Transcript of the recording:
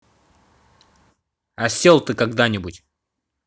осел ты когда нибудь